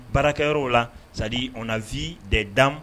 Baarakɛ yɔrɔw la ça dire o na vu des dammes